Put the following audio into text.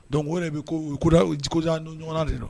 Donc o yɛrɛ de bɛ ko ,ko jaa ɲɔgɔn don